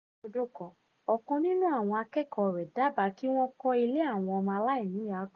Lẹ́yìn ọdún kan, ọ̀kan nínú àwọn akẹ́kọ̀ọ́ rẹ̀ dábàá kí wọ́n kọ́ ilé àwọn ọmọ aláìníyàá kan.